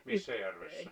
missä järvessä